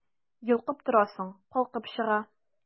Йолкып торасың, калкып чыга...